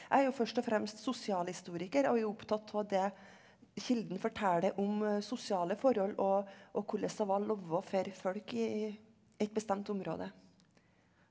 jeg er jo først og fremst sosialhistoriker og er jo opptatt av det kilden forteller om sosiale forhold og og hvordan det var å leve for folk i et bestemt område.